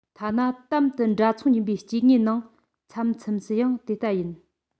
ཐ ན དམ དུ འདྲ མཚུངས ཡིན པའི སྐྱེ དངོས ནང མཚམས མཚམས སུ ཡང དེ ལྟ ཡིན